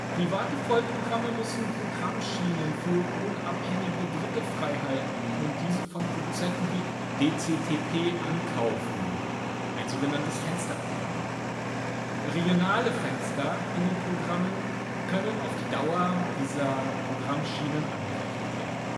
Private Vollprogramme müssen Programmschienen für unabhängige Dritte freihalten und diese von Produzenten wie DCTP ankaufen (ein so genanntes Fensterprogramm). Regionale Fenster in den Programmen können auf die Dauer dieser Programmschienen angerechnet werden